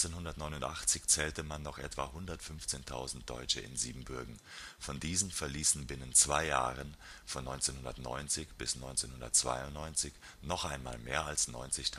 1989 zählte man noch etwa 115.000 Deutsche in Siebenbürgen. Von diesen verließen binnen zwei Jahren, von 1990 bis 1992, noch einmal mehr als 90.000